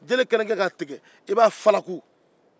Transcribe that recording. jele kɛlen kɔ k'a tigɛ i b'a falaku